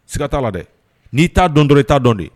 Siga ta la dɛ. Ni ta dɔn dɔrɔn i ta dɔn de.